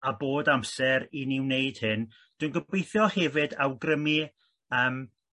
a bod amser i ni wneud hyn dwi'n gobitho hefyd awgrymu yym